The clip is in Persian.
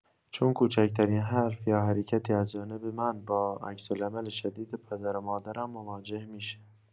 چون کوچکترین حرف یا حرکتی از جانب من، با عکس‌العمل شدید پدر و مادرم مواجه می‌شه.